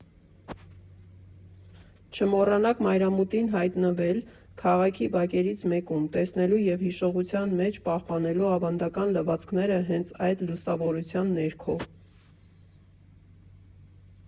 Չմոռանաք մայրամուտին հայտնվել քաղաքի բակերից մեկում՝ տեսնելու և հիշողության մեջ պահպանելու ավանդական լվացքները հենց այդ լուսավորության ներքո։